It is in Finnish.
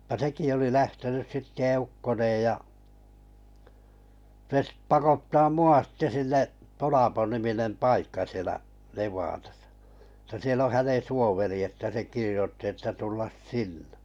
ja sekin oli lähtenyt sitten eukkoineen ja se sitten pakottaa minua sitten sinne Tolapo-niminen paikka siellä Nevadassa että siellä on hänen suoveri että se kirjoitti että tulla sinne